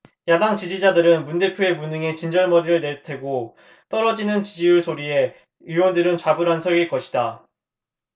야당 지지자들은 문 대표의 무능에 진절머리를 낼 테고 떨어지는 지지율 소리에 의원들은 좌불안석일 것이다